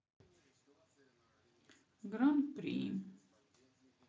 гран при